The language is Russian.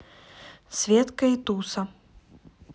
светка и туса